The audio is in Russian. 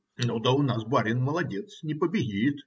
Ну, да у нас барин молодец, не побегит.